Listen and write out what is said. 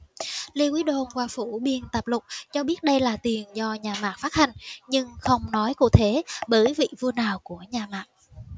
lê quý đôn qua phủ biên tạp lục cho biết đây là tiền do nhà mạc phát hành nhưng không nói cụ thể bởi vị vua nào của nhà mạc